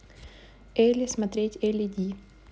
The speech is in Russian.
элли смотреть элли ди